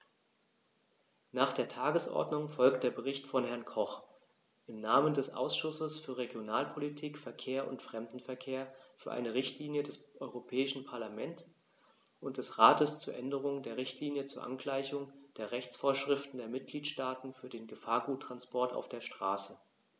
Nach der Tagesordnung folgt der Bericht von Herrn Koch im Namen des Ausschusses für Regionalpolitik, Verkehr und Fremdenverkehr für eine Richtlinie des Europäischen Parlament und des Rates zur Änderung der Richtlinie zur Angleichung der Rechtsvorschriften der Mitgliedstaaten für den Gefahrguttransport auf der Straße.